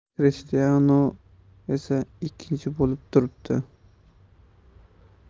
krishtianu esa ikkinchi bo'lib turibdi